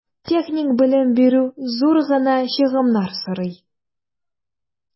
Техник белем бирү зур гына чыгымнар сорый.